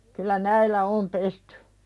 kyllä näillä on pesty